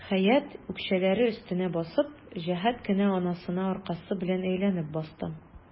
Хәят, үкчәләре өстенә басып, җәһәт кенә анасына аркасы белән әйләнеп басты.